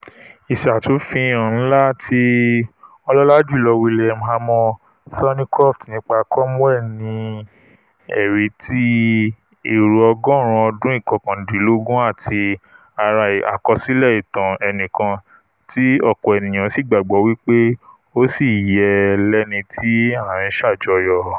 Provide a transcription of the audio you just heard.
Ìṣátúnfihàn ńlá ti Ọlọ́lajὺlọ́ William Hamo Thorneycroft nípa Cromwell ni ẹ̀rí ti èrò ọgọ́ọ̀rún ọdún ìkọkàndínlógún àti ara àkọsílẹ̀ ìtàn ẹnikan tí ọ̀pọ̀ ènìyàn sí gbàgbọ́ wí pé ó sì yẹ lẹ́nití a ńṣàjọyọ̀.